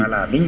voilà bi